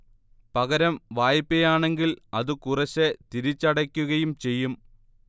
പകരം വായ്പയാണെങ്കിൽ അത് കുറേശേ തിരിച്ചടയ്ക്കുകയും ചെയ്യും